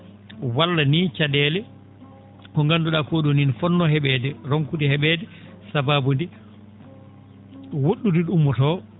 walla ni ca?eele ko ngandu?a ko?oni no fonnoo he?eede ronkude he?eede sabaabu nde wo??ude to ummoroo